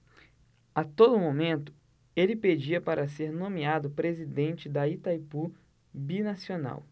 a todo momento ele pedia para ser nomeado presidente de itaipu binacional